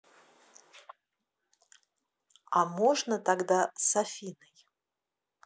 а можно тогда с афиной